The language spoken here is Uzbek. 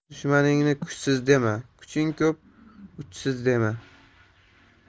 dushmanni kuchsiz dema kuchim ko'p uchsiz dema